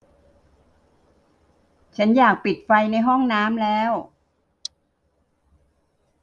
ฉันอยากปิดไฟในห้องน้ำแล้ว